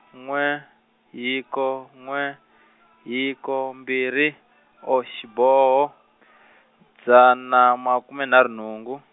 n'we hiko n'we hiko mbirhi xiboho, dzana makume nharhu nhungu.